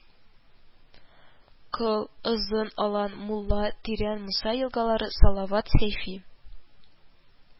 Кол, озын алан, мулла, тирән, муса елгалары, салават, сәйфи